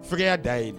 Fɛgɛya dan ye nin